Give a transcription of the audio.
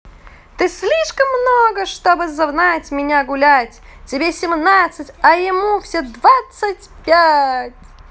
ты слишком много чтобы звать меня гулять тебе семнадцать а ему все двадцать пять